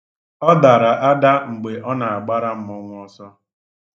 Ọ dara ada mgbe ọ na-agbara mmọnwu ọsọ.